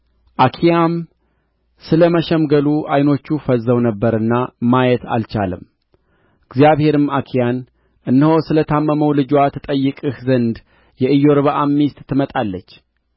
አኪያም ስለ መሸምገሉ ዓይኖቹ ፈዝዘው ነበርና ማየት አልቻለም እግዚአብሔርም አኪያን እነሆ ስለ ታመመው ልጅዋ ትጠይቅህ ዘንድ የኢዮርብዓም ሚስት ትመጣለች